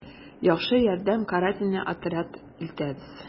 «яхшы ярдәм, карательный отряд илтәбез...»